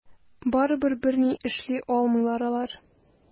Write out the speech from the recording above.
Барыбер берни эшли алмыйлар алар.